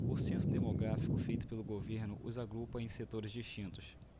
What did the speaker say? o censo demográfico feito pelo governo os agrupa em setores distintos